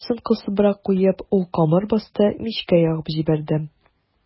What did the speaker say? Лампасын кысыбрак куеп, ул камыр басты, мичкә ягып җибәрде.